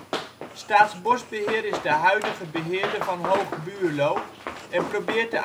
Staatsbosbeheer is de huidige beheerder van Hoog Buurlo en probeert